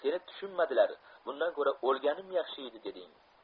seni tushunmadilar bundan ko'ra o'lganim yaxshiydi deding